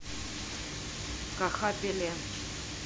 каха пеле